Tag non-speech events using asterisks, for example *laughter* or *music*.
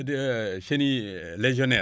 *hesitation* chenille *hesitation* légionaire